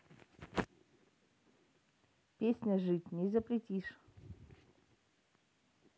песня жить не запретишь